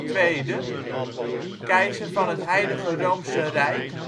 1790), keizer van het Heilige Roomse Rijk